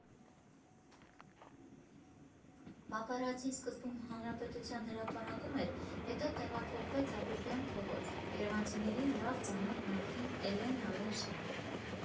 «Պապարացին» սկզբում հանրապետության հրապարակում էր, հետո տեղափոխվեց Աբովյան փողոց՝ երևանցիներին լավ ծանոթ նախկին «ԷլենԱլենի» շենք։